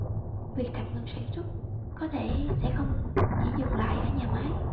việc tạm ngừng sản xuất có thể sẽ không chỉ dừng lại ở nhà máy